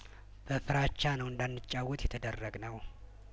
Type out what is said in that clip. በፍራቻ ነው እንዳን ጫወት የተደረገው